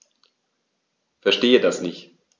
Verstehe das nicht.